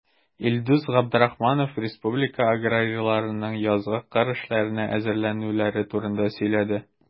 Илдус Габдрахманов республика аграрийларының язгы кыр эшләренә әзерләнүләре турында сөйләде.